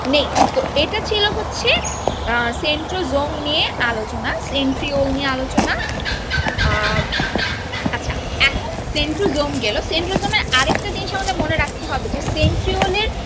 নেই তো এটা ছিল হচ্ছে সেন্ট্রোজোম নিয়ে আলোচনা সেন্ট্রিওল নিয়ে আলোচনা আচ্ছা এখন সেন্ট্রোজোম গেল সেন্ট্রোজোম এর আরেকটা জিনিস আমাদের মনে রাখতে হবে যে সেন্ট্রিওলের